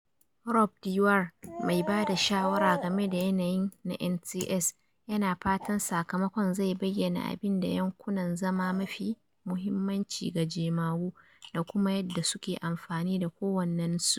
Rob Dewar, mai ba da shawara game da yanayin na NTS, yana fatan sakamakon zai bayyana abin da yankunan zama mafi muhimmanci ga jemagu da kuma yadda suke amfani da kowannensu.